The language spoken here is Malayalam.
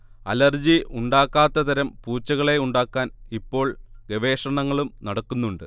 അലർജി ഉണ്ടാക്കാത്തതരം പൂച്ചകളെ ഉണ്ടാക്കാൻ ഇപ്പോൾ ഗവേഷണങ്ങളും നടക്കുന്നുണ്ട്